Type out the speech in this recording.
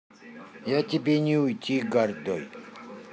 я тебе не уйти гордой